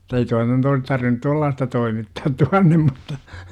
ei tuo nyt olisi tarvinnut tuollaista toimittaa tuonne mutta